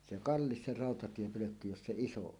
se kallis se rautatiepölkky jos se iso on